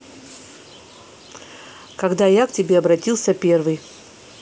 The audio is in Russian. когда я к тебе обратился первый